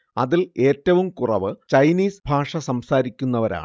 അതിൽ ഏറ്റവും കുറവ് ചൈനീസ് ഭാഷ സംസാരിക്കുന്നവരാണ്